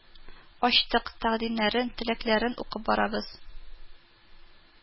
Ачтык, тәкъдимнәрен, теләкләрен укып барабыз